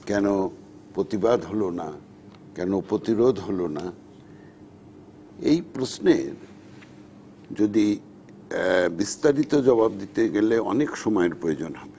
কেন প্রতিবাদ হলো না কেন প্রতিরোধ হলো না এই প্রশ্নের যদি বিস্তারিত জবাব দিতে গেলে অনেক সময় প্রয়োজন হবে